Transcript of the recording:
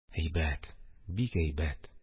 Әйбәт, бик әйбәт.